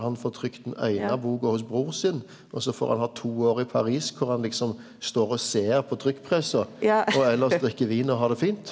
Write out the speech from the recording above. han får trykt den eine boka hos bror sin også får han ha to år i Paris kor han liksom står og ser på trykkpressa og elles drikk vin og har det fint.